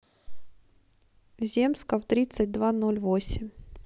земсков тридцать два ноль восемь